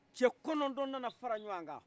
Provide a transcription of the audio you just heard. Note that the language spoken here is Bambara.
cɛ kɔnɔntɔn nana fara ɲɔgɔn kan